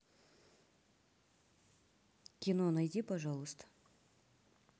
кино найди пожалуйста